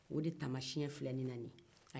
o de taamasiyɛn filɛ ne na